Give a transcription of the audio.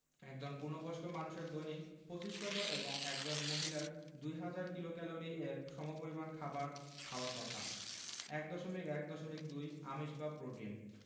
একজন পূর্ণবয়স্ক মানুষের দৈনিক ২৫০০ এবং একজন মহিলার ২০০০ কিলোক্যালরি এর সমপরিমান খাবার খাওয়ার কথা ১.১.২ আমিষ বা প্রোটিন